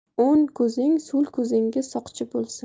o'ng ko'zing so'l ko'zingga soqchi bo'lsin